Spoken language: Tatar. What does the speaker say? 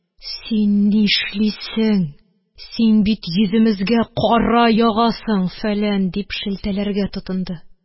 – син ни эшлисең? син бит йөземезгә кара ягасың, фәлән, – дип шелтәләргә тотынды